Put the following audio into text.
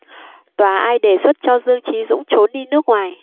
tòa ai đề xuất cho dương chí dũng trốn đi nước ngoài